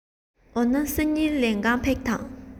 འོ ན སང ཉིན ལེན ག ཕེབས དང